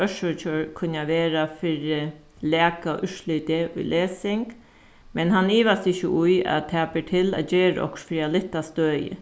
kunna vera fyri laka úrslitið í lesing men hann ivast ikki í at tað ber til at gera okkurt fyri at lyfta støðið